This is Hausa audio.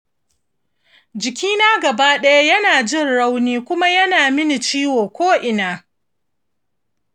jikina gaba ɗaya yana jin rauni kuma yana mini ciwo ko'ina.